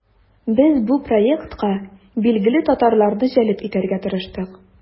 Без бу проектка билгеле татарларны җәлеп итәргә тырыштык.